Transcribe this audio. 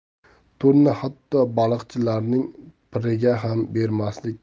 to'rni hatto baliqchilarning piriga ham bermaslik